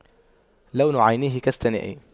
لون عينيه كستنائي